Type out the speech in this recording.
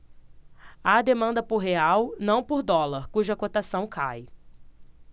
há demanda por real não por dólar cuja cotação cai